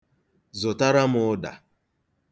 Zụtara m ụda.